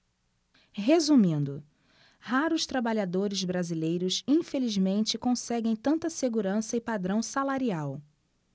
resumindo raros trabalhadores brasileiros infelizmente conseguem tanta segurança e padrão salarial